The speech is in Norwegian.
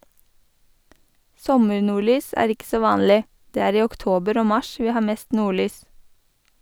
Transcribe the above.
Sommernordlys er ikke så vanlig, det er i oktober og mars vi har mest nordlys.